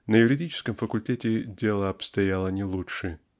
На юридическом факультете дело обстояло не лучше.